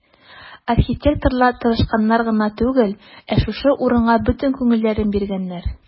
Архитекторлар тырышканнар гына түгел, ә шушы урынга бөтен күңелләрен биргәннәр.